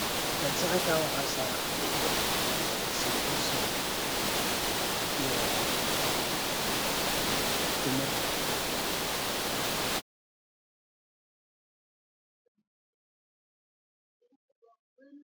Saxankaan waxaa saaran malay simir io timir